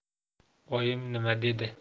oyim nima dedi